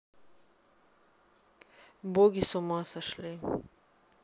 боги с ума сошли